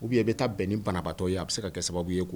U bɛ ye i bɛ taa bɛn ni banabatɔ ye a bɛ se ka kɛ sababu ye